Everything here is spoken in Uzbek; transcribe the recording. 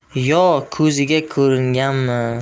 yo ko'ziga ko'ringanmi